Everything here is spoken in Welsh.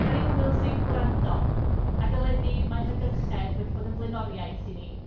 Dan ni'n ŵyl sy'n gwrando, ac eleni, mae hygyrchedd wedi bod yn flaenoriaeth i ni.